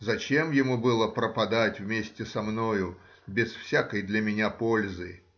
зачем ему было пропадать вместе со мною, без всякой для меня пользы?